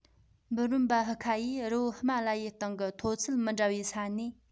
འབུམ རམས པ ཧུ ཁ ཡིས རི བོ ཧི མ ལ ཡའི སྟེང གི མཐོ ཚད མི འདྲ བའི ས ནས